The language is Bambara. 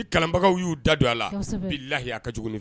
Ni kalanbagaw y'u da don a la bi layiya a ka jugu